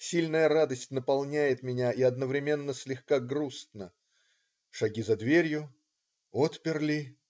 Сильная радость наполняет меня, и одновременно слегка грустно. Шаги за дверью. Отперли.